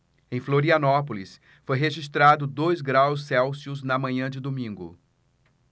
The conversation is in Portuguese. em florianópolis foi registrado dois graus celsius na manhã de domingo